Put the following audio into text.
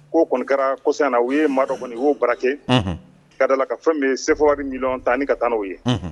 Ko kɔnikara kosa na u ye maadɔ kɔni y'o bara kɛ ka dala ka fɛn bɛ sef bɛ mi ta ni ka taa n'o ye